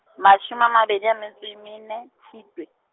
mashome a mabedi a metso e mene, Tshitwe.